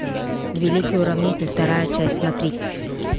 великий уравнитель вторая часть смотреть